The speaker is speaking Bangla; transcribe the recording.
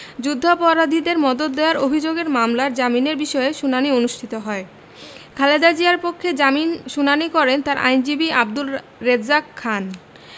যুদ্ধাপরাধীদের মদদ দেওয়ার অভিযোগের মামলার জামিনের বিষয়ে শুনানি অনুষ্ঠিত হয় খালেদা জিয়ার পক্ষে জামিন শুনানি করেন তার আইনজীবী আব্দুর রেজ্জাক খান